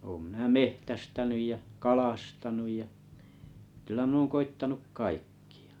olen minä metsästänyt ja kalastanut ja kyllä minä olen koettanut kaikkia